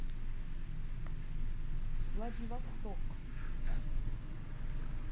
владивосток